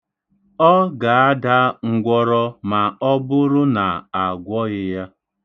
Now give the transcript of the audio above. Ọ ga-ada ngwọrọ ma ọ bụrụ na a gwọghị ya.